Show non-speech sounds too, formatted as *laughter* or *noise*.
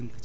*hesitation* *hesitation*